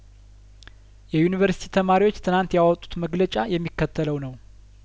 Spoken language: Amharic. የዩኒቨርስቲ ተማሪዎች ትናንት ያወጡት መግለጫ የሚከተለው ነው